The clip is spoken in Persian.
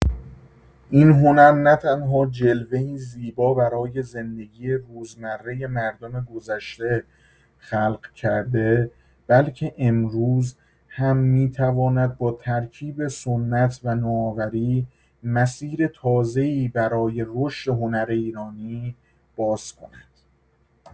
این هنر نه‌تنها جلوه‌ای زیبا برای زندگی روزمره مردم گذشته خلق کرده، بلکه امروز هم می‌تواند با ترکیب سنت و نوآوری، مسیر تازه‌ای برای رشد هنر ایرانی باز کند.